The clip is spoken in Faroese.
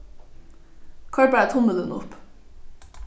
koyr bara tummilin upp